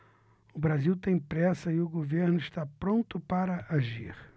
o brasil tem pressa e o governo está pronto para agir